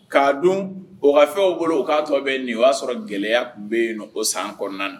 K kaa dun ofɛnw bolo o k'a tɔ bɛ yen nin o y'a sɔrɔ gɛlɛyaya tun bɛ yen ko san kɔnɔna na